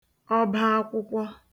ọbaakwụkwọ